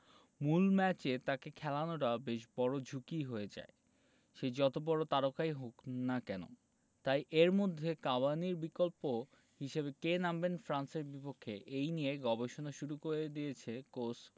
মূল ম্যাচে তাঁকে খেলানোটা বেশ বড় ঝুঁকিই হয়ে যায় সে যত বড় তারকাই হোক না কেন তাই এর মধ্যে কাভানির বিকল্প হিসেবে কে নামবেন ফ্রান্সের বিপক্ষে এই নিয়ে গবেষণা শুরু করে দিয়েছে কোচ